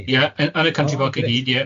Ie yn yn y country park i gyd ie.